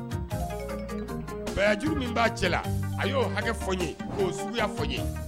Bɛj min b' aa cɛla la a y hakɛ fɔ n ye k suguya fɔ n ye